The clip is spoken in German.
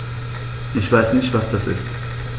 Ich weiß nicht, was das ist.